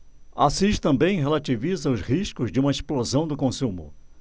assis também relativiza os riscos de uma explosão do consumo